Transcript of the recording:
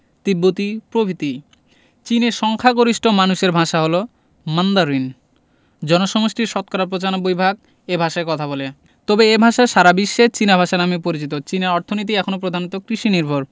তিব্বতি প্রভৃতি চীনের সংখ্যাগরিষ্ঠ মানুষের ভাষা হলো মান্দারিন জনসমষ্টির শতকরা ৯৫ ভাগ এ ভাষায় কথা বলে তবে এ ভাষা সারা বিশ্বে চীনা ভাষা নামে পরিচিত চীনের অর্থনীতি এখনো প্রধানত কৃষিনির্ভর